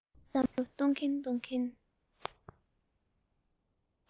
བསམ བློ གཏོང གིན གཏོང གིན